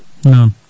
noon